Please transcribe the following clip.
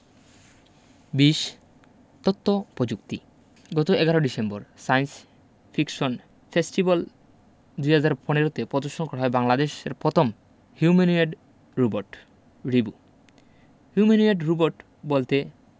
২০ তথ্য প্রযুক্তি গত ১১ ডিসেম্বর সায়েন্স ফিকশন ফেস্টিভ্যাল ২০১৫ তে প্রদর্শন করা হয় বাংলাদেশের প্রথম হিউম্যানোয়েড রোবট রিবো হিউম্যানোয়েড রোবট বলতে